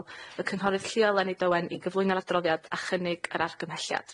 yn gwanio yy y Gymraeg a- amdiwylliant ni o ran yym